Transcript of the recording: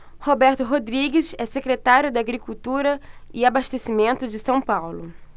roberto rodrigues é secretário da agricultura e abastecimento de são paulo